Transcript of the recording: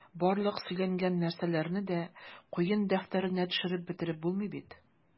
Барлык сөйләнгән нәрсәләрне дә куен дәфтәренә төшереп бетереп булмый бит...